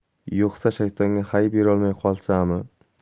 yo'qsa shaytonga hay berolmay qolsami